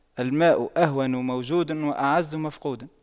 الماء أهون موجود وأعز مفقود